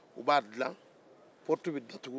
u b'a dila